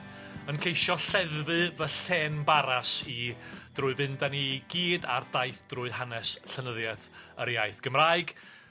yn ceisio lleddfu fy llên-baras i drwy fynd â ni i gyd ar daith drwy hanes llenyddiaeth yr iaith Gymraeg